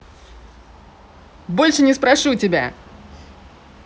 больше не спрошу тебя